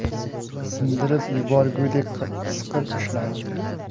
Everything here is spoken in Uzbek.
sindirib yuborgudek siqib ushladi